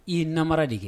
I ye namara de kɛ